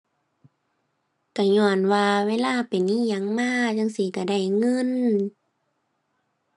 ก็ญ้อนว่าเวลาเป็นอิหยังมาจั่งซี้ ก็ได้เงิน